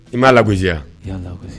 I m'a lagoya